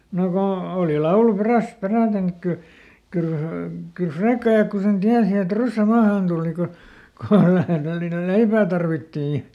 no kun oli laulu perässä peräten että kyllä kyllä kyllä Frekkajakku sen tiesi että ryssä maahan tuli kun kun vähän tällinen leipää tarvittiin